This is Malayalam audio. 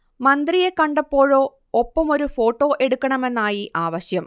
മന്ത്രിയെ കണ്ടപ്പോഴോ ഒപ്പമൊരു ഫോട്ടോ എടുക്കണമെന്നായി ആവശ്യം